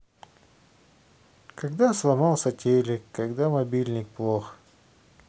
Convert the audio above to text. когда сломался телек когда мобильник плох